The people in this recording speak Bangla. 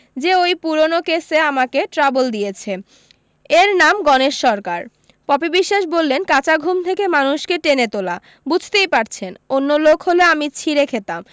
যে ওই পুরোনো কেসে আমাকে ট্রাবল দিয়েছে এর নাম গণেশ সরকার পপি বিশ্বাস বললেন কাঁচা ঘুম থেকে মানুষকে টেনে তোলা বুঝতেই পারছেন অন্য লোক হলে আমি ছিঁড়ে খেতাম